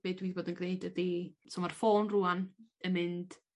be' dwi fod yn gneud ydi so ma'r ffôn rŵan yn mynd